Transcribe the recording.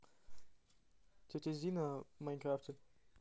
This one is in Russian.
тетя зина в майнкрафте